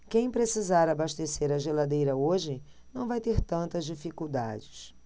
quem precisar abastecer a geladeira hoje não vai ter tantas dificuldades